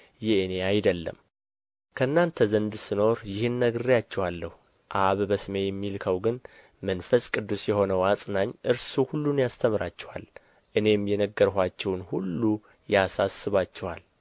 የእኔ አይደለም ከእናንተ ዘንድ ስኖር ይህን ነግሬአችኋለሁ አብ በስሜ የሚልከው ግን መንፈስ ቅዱስ የሆነው አጽናኝ እርሱ ሁሉን ያስተምራችኋል እኔም የነገርኋችሁን ሁሉ ያሳስባችኋል